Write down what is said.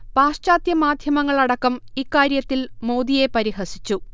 പാശ്ചാത്യ മാദ്ധ്യമങ്ങൾ അടക്കം ഇക്കാര്യത്തിൽ മോദിയെ പരിഹസിച്ചു